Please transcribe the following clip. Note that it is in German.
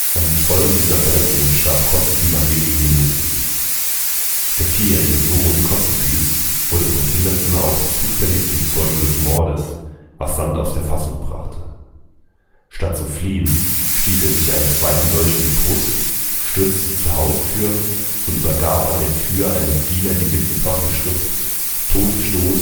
An den Folgen dieser Verletzungen starb Kotzebue nach wenigen Minuten. Der vierjährige Sohn Kotzebues wurde vom Kinderzimmer aus zufällig zum Zeugen des Mordes, was Sand aus der Fassung brachte. Statt zu fliehen, stieß er sich einen zweiten Dolch in die Brust, stürzte zur Haustür und übergab an der Tür einem Diener die mitgebrachte Schrift Todesstoß